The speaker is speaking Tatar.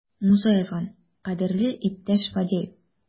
Муса язган: "Кадерле иптәш Фадеев!"